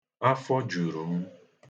Afọ juru m.